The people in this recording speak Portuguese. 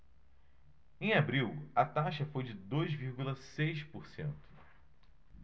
em abril a taxa foi de dois vírgula seis por cento